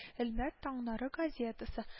Әлмәт таңнары газетасы